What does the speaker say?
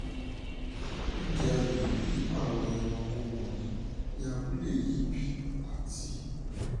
"Ǹjẹ́ a lè rí àwọn ẹranko wọ̀nyí ní abúlée yín bí?", àti